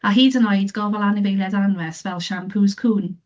A hyd yn oed gofal anifeiliaid anwes fel siampws cŵn.